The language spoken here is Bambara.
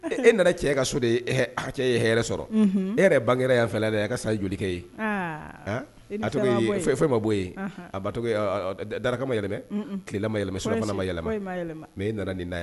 E nana cɛ ka so de ye hakɛ ye hɛrɛɛrɛ sɔrɔ e yɛrɛ bakɛ y'fɛ dɛ a ka jolikɛ ye a fɛn ma' yen a ba to daraka ma yɛlɛma tilelama yɛlɛma sufanama yɛlɛma mɛ e nana nin n' ye